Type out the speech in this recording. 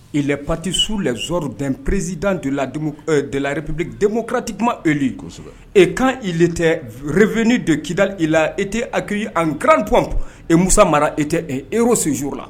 Il est parti sous les ordres d'un président de la démoc ɛɛ de la république démocratiquement élu kosɛbɛ et il quand était revenu de Kidal il a été accueilli en grande pompe et Moussa Mara était un héros ce jour là